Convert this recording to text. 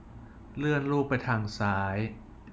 เลื่อนรูปไปทางซ้าย